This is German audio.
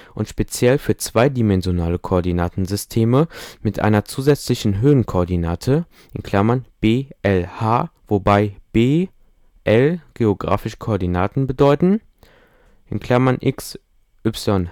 und speziell für zweidimensionale Koordinatensysteme mit einer zusätzlichen Höhenkoordinate: (B, L, H) – wobei B, L geografische Koordinaten bedeuten (X, Y, H) – mit X, Y